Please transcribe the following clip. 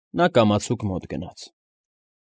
Նա կամացուկ մոտ գնաց։